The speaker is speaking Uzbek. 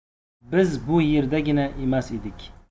biz bu yerdagina emas edik